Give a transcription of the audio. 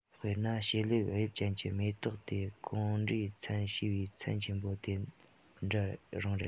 དཔེར ན ཕྱེ ལེབ དབྱིབས ཅན གྱི མེ ཏོག སྟེ གོང འབྲས ཚན ཞེས པའི ཚན ཆེན པོ ནི དེ འདྲ རང ཡིན